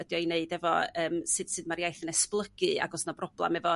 ydi o i 'neud efo yym sut sut ma'r iaith yn esblygu ag oes 'na broblam efo...